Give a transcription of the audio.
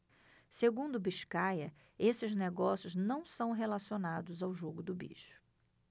segundo biscaia esses negócios não são relacionados ao jogo do bicho